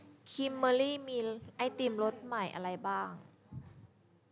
ครีมเมอรี่มีไอติมรสใหม่อะไรบ้าง